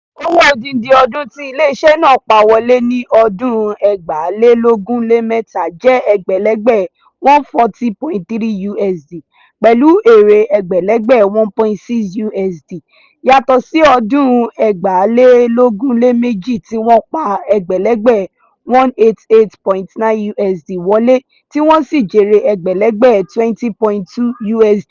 Owó odidi ọdún ti iléeṣé náà pa wọlé ní 2023 jẹ́ ẹgbẹ̀lẹ̀gbẹ̀ 140.3 USD, pẹ̀lú èrè ẹgbẹ̀lẹ̀gbẹ̀ 1.6 USD, yàtọ̀ sí 2022 tí wọ́n pa ẹgbẹ̀lẹ̀gbẹ̀188.9 USD wọlé tí wọ́n sì jèrè ẹgbẹ̀lẹ̀gbẹ̀ 20.2 USD.